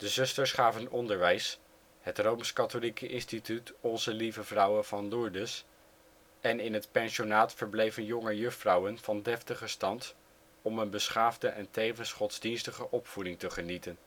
zusters gaven onderwijs - het Rooms Katholieke Instituut Onze Lieve Vrouwe van Lourdes - en in het pensionaat verbleven jonge juffrouwen van deftige stand om een beschaafde en tevens godsdienstige opvoeding te genieten